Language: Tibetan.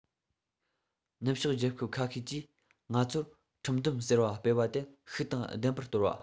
ནུབ ཕྱོགས རྒྱལ ཁབ ཁ ཤས ཀྱིས ང ཚོར ཁྲིམས འདོམས ཟེར བ སྤེལ བ དེ ཤུགས དང ལྡན པར གཏོར བ